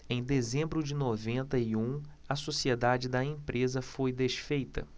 em dezembro de noventa e um a sociedade da empresa foi desfeita